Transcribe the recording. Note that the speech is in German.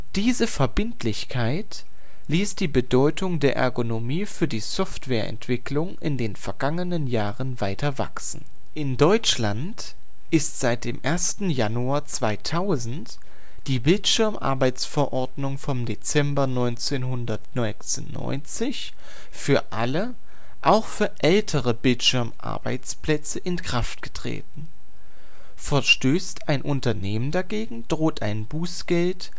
Diese Verbindlichkeit ließ die Bedeutung der Ergonomie für die Software-Entwicklung in den vergangenen Jahren weiter wachsen. In Deutschland ist seit 1. Januar 2000 die Bildschirmarbeitsverordnung vom Dezember 1996 für alle, auch für ältere Bildschirmarbeitsplätze in Kraft getreten. Verstößt ein Unternehmen dagegen, droht ein Bußgeld